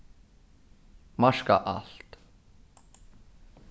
marka alt